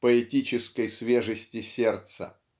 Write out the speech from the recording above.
поэтической свежести сердца.